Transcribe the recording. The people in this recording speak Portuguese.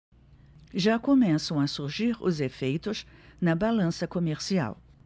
já começam a surgir os efeitos na balança comercial